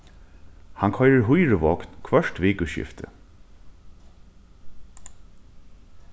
hann koyrir hýruvogn hvørt vikuskifti